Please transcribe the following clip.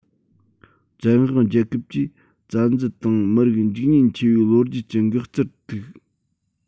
བཙན དབང རྒྱལ ཁབ ཀྱིས བཙན འཛུལ དང མི རིགས འཇིག ཉེན ཆེ བའི ལོ རྒྱུས ཀྱི འགག རྩར ཐུག